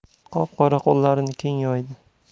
qop qora qo'llarini keng yoydi